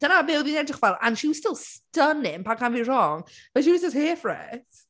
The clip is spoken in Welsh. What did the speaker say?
Dyna be oedd hi’n edrych fel, and she was still stunning paid cael fi’n wrong, but she was just here for it.